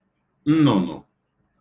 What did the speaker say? nnụ̀nụ̀